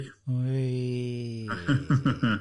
Ie, sori.